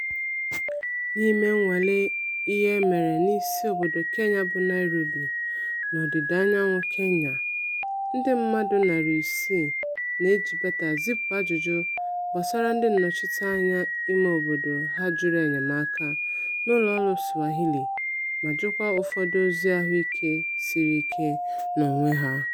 N’ime nnwale ihe e mere n'isi obodo Kenya bụ Nairobi na ọdịdaanyanwụ Kenya, ndị mmadụ narị isii na-eji beta zipụ ajụjụ gbasara ndị nnọchiteanya ime obodo ha jụrụ enyemaaka n'ụlọ ọrụ Swahili, ma jụkwa ụfọdụ ozi ahụike siri ike n'onwe ha.